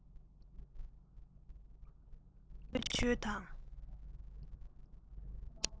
མཛེས བཀོད བྱོས དང